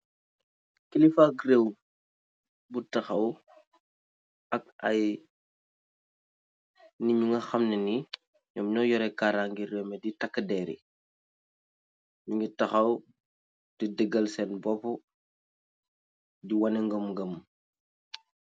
Kilifak reew bu takhaw ak ayy nitt nninga khamne nii nnum nno yore karange reew mi de takka der yii, nnugi takhaw de degal sen bopu, de wane ngam ngam.